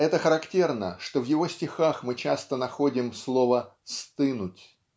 Это характерно, что в его стихах мы часто находим слово "стынуть"